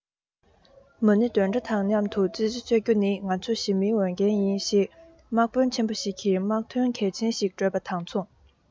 མ ཎི འདོན སྒྲ དང མཉམ དུ ཙི ཙི གསོད རྒྱུ ནི ང ཚོ ཞི མིའི འོས འགན ཡིན ཞེས དམག དཔོན ཆེན པོ ཞིག གིས དམག དོན གལ ཆེན ཞིག སྒྲོག པ དང མཚུངས